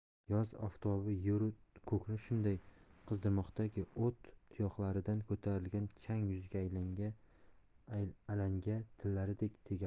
yoz oftobi yeru ko'kni shunday qizdirmoqdaki ot tuyoqlaridan ko'tarilgan chang yuzga alanga tillaridek tegadi